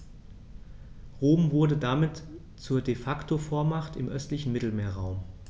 Rom wurde damit zur ‚De-Facto-Vormacht‘ im östlichen Mittelmeerraum.